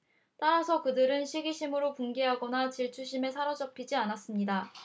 따라서 그들은 시기심으로 분개하거나 질투심에 사로잡히지 않습니다